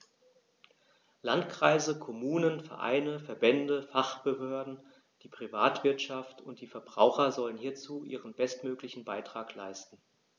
Landkreise, Kommunen, Vereine, Verbände, Fachbehörden, die Privatwirtschaft und die Verbraucher sollen hierzu ihren bestmöglichen Beitrag leisten.